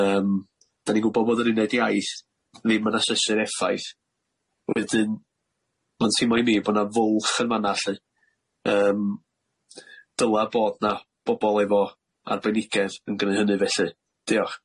Yym dan ni'n gwybod bod yr uned iaith ddim yn asesu'r effaith wedyn ma'n teimlo i mi bo' na fwlch yn fan'na lly yym dyla bod na bobol efo arbenigedd yn gneu' hynny felly diolch.